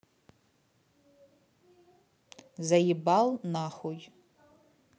заебал нахуй